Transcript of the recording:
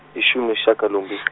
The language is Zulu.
ishumi neshagalombil- .